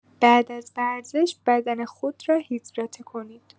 بعد از ورزش بدن خود را هیدراته کنید.